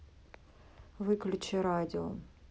выключи радио